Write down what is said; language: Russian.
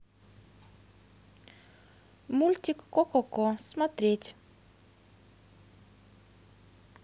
мультик ко ко ко смотреть